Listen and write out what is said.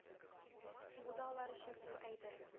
Бу да алар өчен зур әйбер